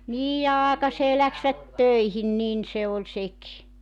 niin ja aikaiseen lähtivät töihin niin se oli sekin